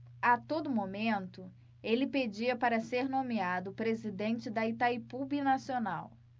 a todo momento ele pedia para ser nomeado presidente de itaipu binacional